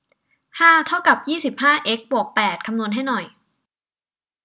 ห้าเท่ากับยี่สิบห้าเอ็กซ์บวกแปดคำนวณให้หน่อย